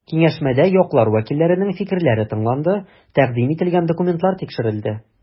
Киңәшмәдә яклар вәкилләренең фикерләре тыңланды, тәкъдим ителгән документлар тикшерелде.